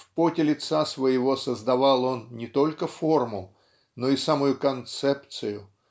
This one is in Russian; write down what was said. в поте лица своего создавал он не только форму но и самую концепцию